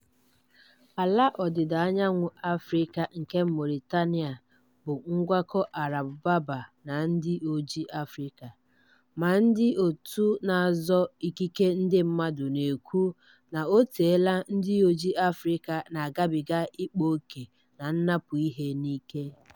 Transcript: Ala Ọdịda Anyanwụ Afịrịka nke Mauritania bụ ngwakọta Arab-Berber na ndị oji Afịrịka ma ndị òtù na-azọ ikike ndị mmadụ na-ekwu na oteela ndị oji Afịrịka na-agabiga ịkpa oke na nnapụ ihe n'ike.